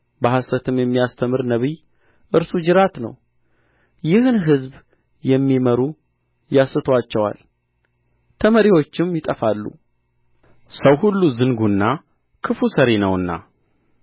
በሐሰትም የሚያስተምር ነቢይ እርሱ ጅራት ነው ይህን ሕዝብ የሚመሩ ያስቱአቸዋል ተመሪዎቹም ይጠፋሉ ሰው ሁሉ ዝንጉና ክፉ ሠሪ ነውና